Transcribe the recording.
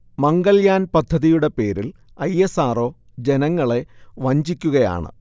മംഗൾയാൻ പദ്ധതിയുടെ പേരിൽ I. S. R. O. ജനങ്ങളെ വഞ്ചിക്കുകയാണ്